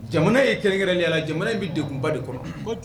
Jamana ye kɛrɛnkɛrɛn jamana bɛ deba de kɔnɔ